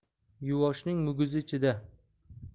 yuvvoshning muguzi ichida